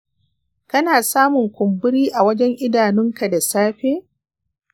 kana samun kumburi a wajen idanun ka da safe?